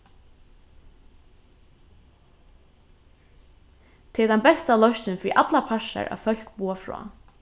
tað er tann besta loysnin fyri allar partar at fólk boða frá